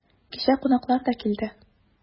Кичә кунаклар да килде.